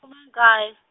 khume nkaye.